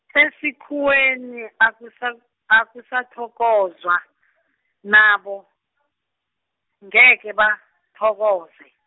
esikhuweni akusa- akusathokozwa , nabo, ngekhe bathokoze.